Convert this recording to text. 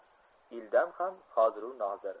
ildam ham hoziru nozir